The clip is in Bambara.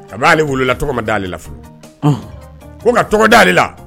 Kaale wolola tɔgɔ ma dalenale la fu ko ka tɔgɔ dalen la